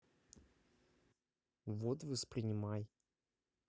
вот и воспринимай